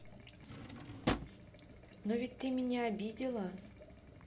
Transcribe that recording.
но ведь ты меня обидела